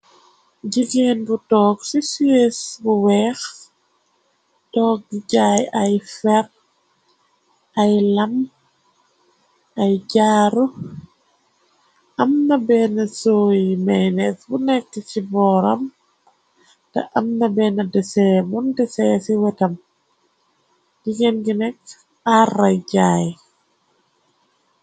jigeen bu toog ci sies bu weex toog bi jaay ay fer ay lam ay jaaru am na benn sooyi meynées bu nekki ci booram te am na benn desee muntisee ci wetam jigéen gi nekk àrra jaay.